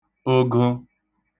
oġo